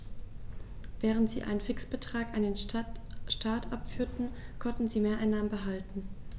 Während sie einen Fixbetrag an den Staat abführten, konnten sie Mehreinnahmen behalten.